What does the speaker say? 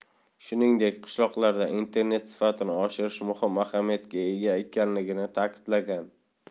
shuningdek qishloqlarda internet sifatini oshirish muhim ahamiyatga ega ekanligini ta'kidlagan